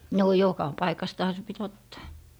no joka paikastahan se piti ottaa